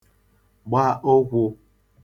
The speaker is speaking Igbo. gba ụkwụ̄